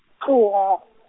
tlhogo-.